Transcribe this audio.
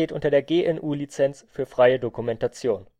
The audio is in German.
unter der GNU Lizenz für freie Dokumentation